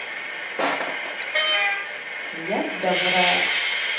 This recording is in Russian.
яд добра